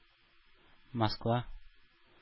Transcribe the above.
Москва